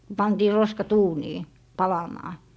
pantiin roskat uuniin palamaan